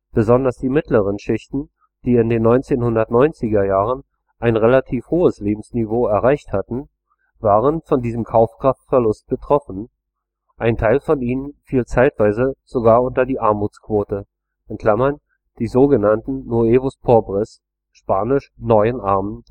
Besonders die mittleren Schichten, die in den 1990er Jahren ein relativ hohes Lebensniveau erreicht hatten, waren von diesem Kaufkraftverlust betroffen, ein Teil von ihnen fiel zeitweise sogar unter die Armutsquote (die sogenannten nuevos pobres, span. „ Neu-Armen